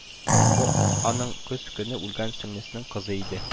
Бу – аның көз көне үлгән сеңлесенең кызы иде